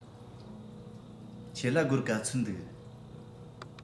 ཁྱེད ལ སྒོར ག ཚོད འདུག